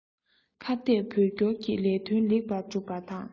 ཁ གཏད བོད སྐྱོར གྱི ལས དོན ལེགས པར སྒྲུབ པར